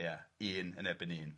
Ia, un yn erbyn un.